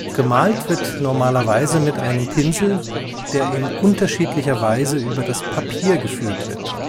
Gemalt wird normalerweise mit einem Pinsel, der in unterschiedlicher Weise über das Papier geführt wird